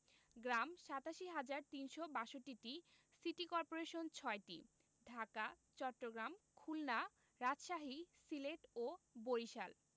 গ্রাম ৮৭হাজার ৩৬২টি city corporation ৬টি ঢাকা চট্টগ্রাম খুলনা রাজশাহী সিলেট ও বরিশাল